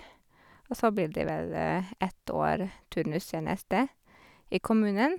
Og så blir det vel ett år turnustjeneste i kommunen.